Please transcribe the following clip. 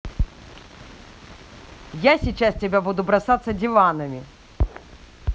я сейчас тебя буду бросаться диванами